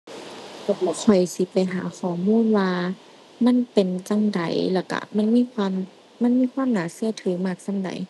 ข้อยสิไปหาข้อมูลว่ามันเป็นจั่งใดแล้วก็มันมีความ มันมีความน่าก็ถือมากส่ำใด